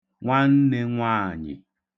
nwannē nwaànyị̀